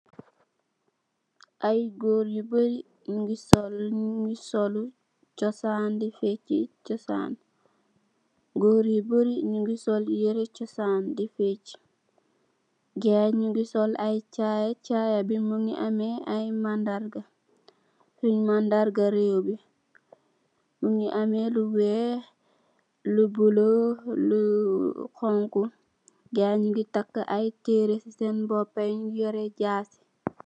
Aye goor yu barri nyunge sul chosan di fetchi guy nyunge sul jaya bu nyul munge am lu wekh lu bulah ak lu xhong khu guy nyunge takuh tereh